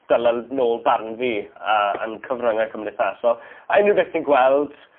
dyla nôl barn fi yy yn cyfrynge cymdeithasol a unryw beth tin gweld